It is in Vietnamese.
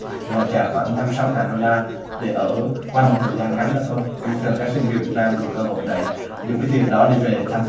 để hỗ trợ khoảng năm sáu ngàn đô la để ở qua một thời gian ngắn nữa thôi bình thường các sinh viên việt nam dùng cơ hội này dùng tiền đó đi về thăm